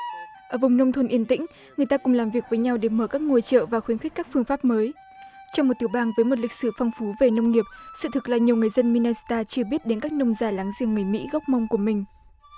ở vùng nông thôn yên tĩnh người ta cùng làm việc với nhau để mở các ngôi chợ và khuyến khích các phương pháp mới trong một tiểu bang với một lịch sử phong phú về nông nghiệp sự thực là nhiều người dân mi na sờ ta chưa biết đến các nông gia láng giềng người mỹ gốc mông của mình